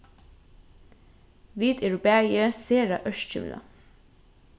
vit eru bæði sera ørkymlað